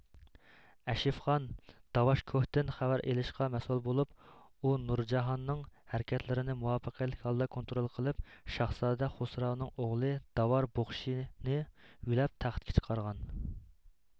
ئەشەفخان داۋاشكوھتىن خەۋەر ئېلىشقا مەسئۇل بولۇپ ئۇ نۇرجاھاننىڭ ھەرىكەتلىرىنى مۇۋەپپەقىيەتلىك ھالدا كونترول قىلىپ شاھزادە خۇسراۋنىڭ ئوغلى داۋار بۇقىشنى يۆلەپ تەختكە چىقارغان